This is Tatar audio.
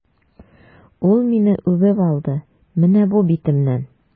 Ул мине үбеп алды, менә бу битемнән!